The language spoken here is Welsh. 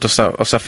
Do's 'a o's 'a...